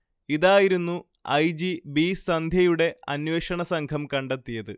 ഇതായിരുന്നു I. G. B സന്ധ്യയുടെ അന്വേഷണസംഘം കണ്ടത്തിയത്